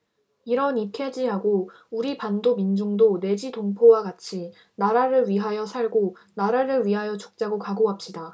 일언이폐지하고 우리 반도 민중도 내지 동포와 같이 나라를 위하여 살고 나라를 위하여 죽자고 각오합시다